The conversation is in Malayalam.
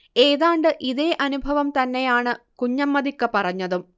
ഏതാണ്ട് ഇതേ അനുഭവം തന്നെയാണ് കുഞ്ഞമ്മദിക്ക പറഞ്ഞതും